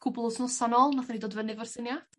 Cwpwl wthnosa nôl nathon ni dod fyny efo'r syniad?